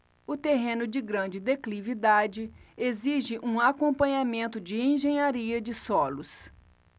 o terreno de grande declividade exige um acompanhamento de engenharia de solos